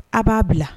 A b'a bila